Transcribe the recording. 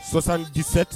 Sɔsandise